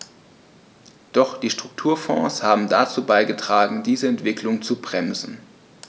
Doch die Strukturfonds haben dazu beigetragen, diese Entwicklung zu bremsen.